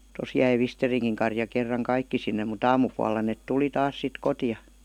tuossa jäi Visterinkin karja kerran kaikki sinne mutta aamupuolella ne tuli taas sitten kotia